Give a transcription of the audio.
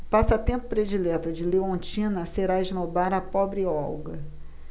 o passatempo predileto de leontina será esnobar a pobre olga